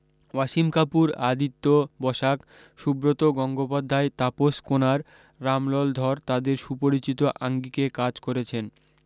ওয়াসিম কাপূর আদিত্য বসাক সুব্রত গঙ্গোপাধ্যায় তাপস কোনার রামলাল ধর তাদের সুপরিচিত আঙ্গিকে কাজ করেছেন